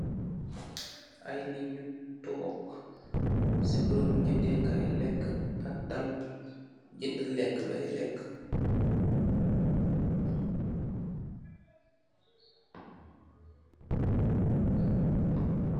Aye ninyu took, si baeraebu jaendai kaaye lek, ak dallu jaendh lek baye lek.